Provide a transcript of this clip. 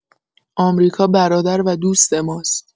آمریکا برادر و دوست ماست!